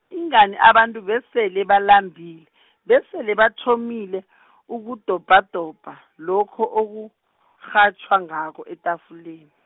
ingani abantu besele balambile , besele bathomile , ukudobhadobha lokho okukghatjswa ngakho etafuleni.